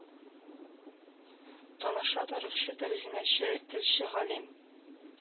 Таныша, тарихчы, тəрҗемəче, телче, галим,